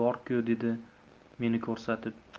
bor ku dedi meni ko'rsatib